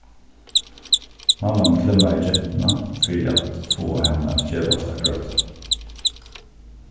mamman klemmaði gentuna fyri at fáa hana at gevast at gráta